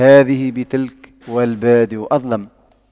هذه بتلك والبادئ أظلم